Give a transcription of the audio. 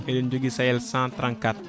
eɗen joogui Sayel134